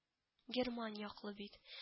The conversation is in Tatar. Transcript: Герман яклы бит